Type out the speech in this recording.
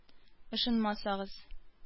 Ышанмасагыз